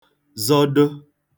zọdọ